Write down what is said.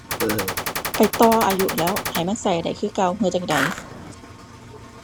ไปต่ออายุแหล้ว ให้มันใช้ได้คือเก่า ใช้จั่งใด